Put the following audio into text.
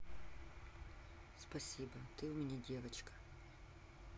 спасибо ты умная девочка